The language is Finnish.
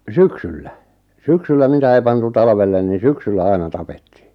syksyllä syksyllä mitä ei pantu talvelle niin syksyllä aina tapettiin